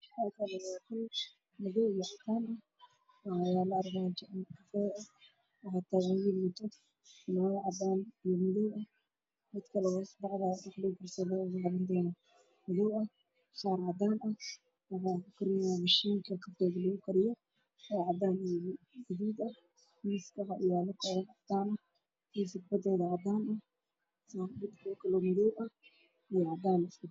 Halkaan waxaa ka muuqdo niman qabo uniform cadaan iyo madaw ah waxaana miiska saraan mashiinta shaaha iyo mida cabitaanka lagu shiido ayey ku shaqaystaan